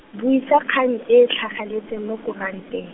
buisa kgang e e tlhageletseng mo kurante-.